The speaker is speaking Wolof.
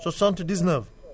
79